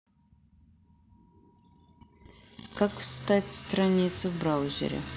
как встать страницу в браузере